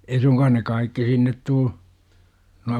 ei suinkaan ne kaikki sinne tule nuo